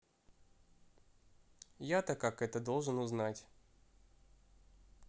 я то как это должен узнать